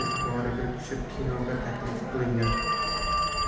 e'tiboriga tushib kinoga taklif qilingan